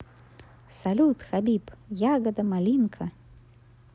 салют хабиб ягода малинка